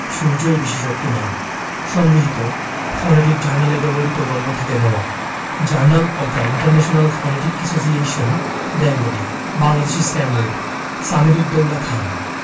সূর্যই বেশি শক্তিমান সংগৃহীত ফনেটিক জার্নালে ব্যবহিত গল্প থেকে নেওয়া journal of the international phonetic association Bengali Bangladeshi standard Samir ud Daula Khan